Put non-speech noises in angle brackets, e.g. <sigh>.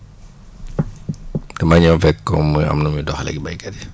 <noise> damaa ñëw fekk ko moom muy am nu muy doxaleeg béykat yi